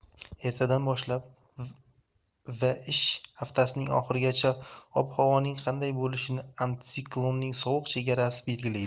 ertadan boshlab va ish haftasining oxirigacha ob havoning qanday bo'lishini antisiklonning sovuq chegarasi belgilaydi